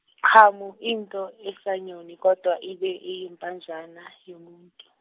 qhamu, into, esanyoni kodwa ibe iyimpanjana yomuthi.